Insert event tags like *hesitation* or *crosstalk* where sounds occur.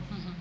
*hesitation* *hesitation*